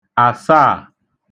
àsaà